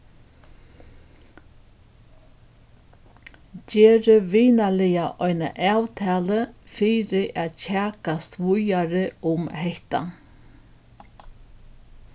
gerið vinarliga eina avtalu fyri at kjakast víðari um hetta